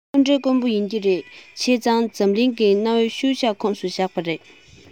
དངོས འབྲེལ དཀོན པོ ཡིན གྱི རེད བྱས ཙང འཛམ གླིང གི གནའ བོའི ཤུལ བཞག ཁོངས སུ བཞག པ རེད